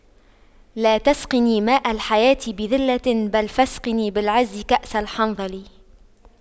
لا تسقني ماء الحياة بذلة بل فاسقني بالعز كأس الحنظل